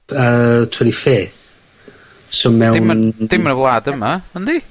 y yy twen'y fifth so mewn... Dim yn, dim yn y wlad yma, yndi?